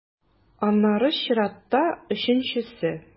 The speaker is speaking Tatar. Аннары чиратта - өченчесе.